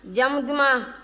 jamu duman